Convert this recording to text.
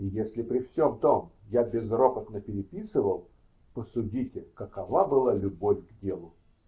и если при всем том я безропотно переписывал, посудите, какова была любовь к делу.